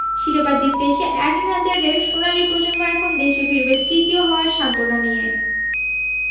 শিরোপা জিততে এসে এডেন হ্যাজার্ডদের সোনালি প্রজন্ম এখন দেশে ফিরবে তৃতীয় হওয়ার সান্ত্বনা নিয়ে